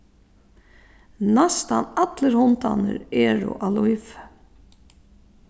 næstan allir hundarnir eru á lívi